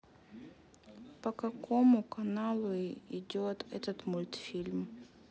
по какому каналу идет этот мультфильм